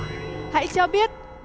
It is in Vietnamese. hãy cho biết